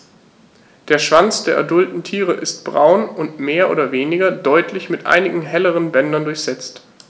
Der Schwanz der adulten Tiere ist braun und mehr oder weniger deutlich mit einigen helleren Bändern durchsetzt.